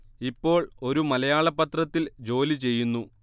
ഇപ്പോൾ ഒരു മലയാള പത്രത്തിൽ ജോലി ചെയ്യുന്നു